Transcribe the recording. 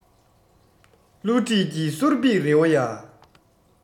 བསླུ བྲིད ཀྱི གསོར འབིག རིང བོ ཡ